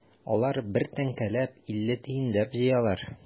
Алар бер тәңкәләп, илле тиенләп җыялар.